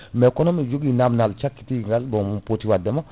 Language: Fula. mais kono mi joogui namdal cakkitingal bon poti waddema